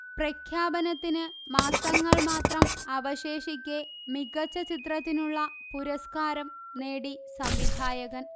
പ്രഖ്യാപനത്തിന് മാസങ്ങൾ മാത്രം അവശേഷിക്കെ മികച്ച ചിത്രത്തിനുള്ള പുരസ്കാരം നേടി സംവിധായകൻ